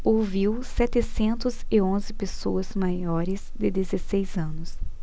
ouviu setecentos e onze pessoas maiores de dezesseis anos